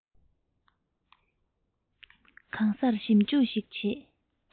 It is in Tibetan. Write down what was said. གང སར ཞིབ ལྟ ཞིག བྱས